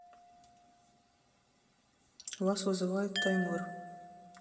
вас вызывает таймыр